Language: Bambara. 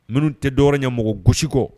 Minnu tɛ dɔɔnin ɲɛ mɔgɔ gosisi kɔ